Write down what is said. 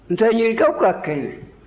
zayirikaw ka kɛnɛ